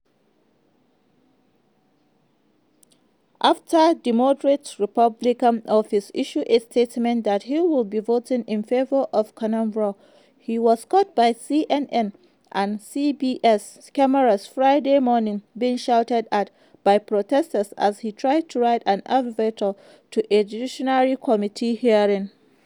After the moderate Republican's office issued a statement that he would be voting in favor of Kavanaugh, he was caught be CNN and CBS cameras Friday morning being shouted at by protesters as he tried to ride an elevator to a Judiciary Committee hearing.